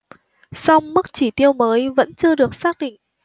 song mức chỉ tiêu mới vẫn chưa được xác định